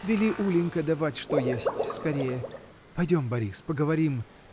Вели, Улинька, давать, что есть — скорее. Пойдем, Борис, поговорим.